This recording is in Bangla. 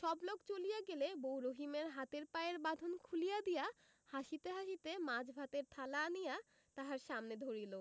সবলোক চলিয়া গেলে বউ রহিমের হাতের পায়ের বাঁধন খুলিয়া দিয়া হাসিতে হাসিতে মাছ ভাতের থালা আনিয়া তাহার সামনে ধরিল